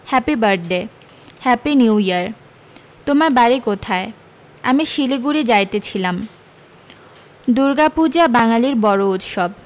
happy birthday happy new year তোমার বাড়ী কোথায় আমি শিলিগুড়ি যাইতেছিলাম দুর্গা পূজা বাঙালির বড় উৎসব